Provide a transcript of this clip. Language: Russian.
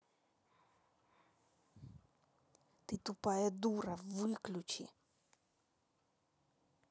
ты тупая дура выключи